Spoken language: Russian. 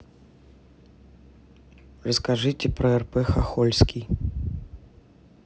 расскажите про рп хохольский